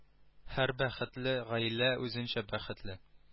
Һәр бәхетле гаилә үзенчә бәхетле